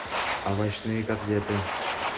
овощные котлеты